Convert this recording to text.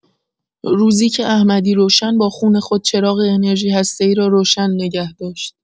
روزی که احمدی‌روشن با خون خود چراغ انرژی هسته‌ای را روشن نگه داشت.